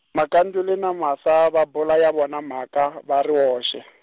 Makhanduli na Martha va bula ya vona mhaka, va ri voxe.